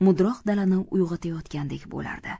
mudroq dalani uyg'otayotgandek bo'lardi